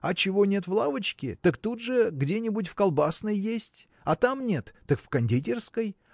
а чего нет в лавочке, так тут же где-нибудь в колбасной есть а там нет, так в кондитерской